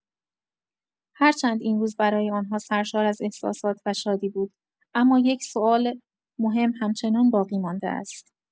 هرچند این روز برای آنها سرشار از احساسات و شادی بود، اما یک سوال مهم همچنان باقی‌مانده است.